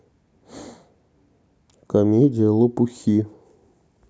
комедия лопухи